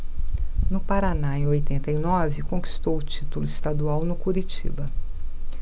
no paraná em oitenta e nove conquistou o título estadual no curitiba